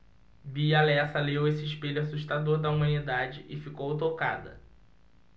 bia lessa leu esse espelho assustador da humanidade e ficou tocada